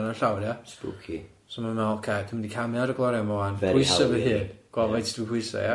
Spooky. So ma'n meddwl, ocê, dw i mynd i camu ar y glorian 'ma ŵan... Very hawdd i neud. ...pwyso fy hun, gweld faint dw i'n pwyso ia?